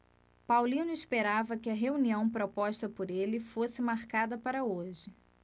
paulino esperava que a reunião proposta por ele fosse marcada para hoje